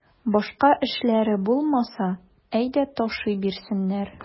Башка эшләре булмаса, әйдә ташый бирсеннәр.